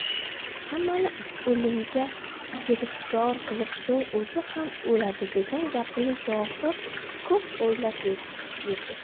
hammani o'limga giriftor qilib so'ng o'zi ham o'ladi degan gapini zohid ko'p o'ylab yurdi